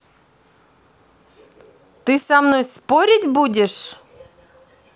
ты со мной спорить будешь